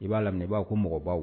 I b'a laminɛ i b'a o ko mɔgɔ baw.